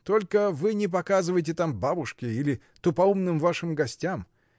Только вы не показывайте там бабушке или тупоумным вашим гостям.